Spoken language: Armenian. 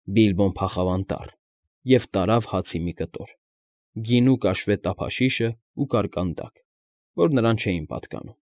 Բիլբոն փախավ անտառ և տարավ հացի մի կտոր, գինու կաշվե տափաշիշն ու կարկանդակ, որ նրան չէին պատկանում։